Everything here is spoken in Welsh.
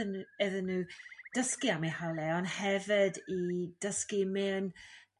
idd- iddyn n'w dysgu am eu hawliau ond hefyd i dysgu mewn